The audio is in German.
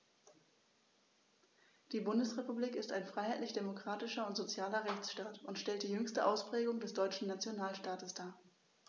Die Bundesrepublik ist ein freiheitlich-demokratischer und sozialer Rechtsstaat und stellt die jüngste Ausprägung des deutschen Nationalstaates dar.